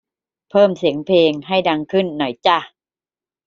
เพิ่มเสียงเพลงให้ดังขึ้นหน่อยจ้ะ